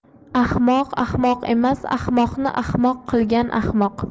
ahmoq ahmoq emas ahmoqni alimoq qilgan ahmoq